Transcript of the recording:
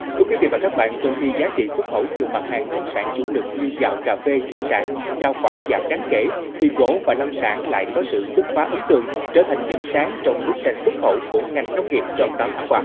thưa quý vị và các bạn trong khi giá trị xuất khẩu nhiều mặt hàng nông sản chủ lực như gạo cà phê thủy sản rau quả giảm đáng kể thì gỗ và lâm sản lại có sự bứt phá ấn tượng trở thành điểm sáng trong bức tranh xuất khẩu của ngành nông nghiệp trong tám tháng qua